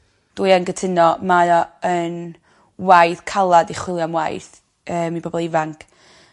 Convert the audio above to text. Dwi yn gytuno mae o yn waith calad i chwilio am waith yym i bobol ifanc.